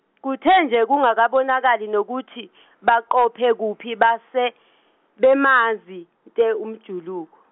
kuthe nje kungakabonakali nokuthi baqophe kuphi base bemanzi te umjuluko.